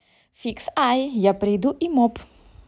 fixeye я приду и моб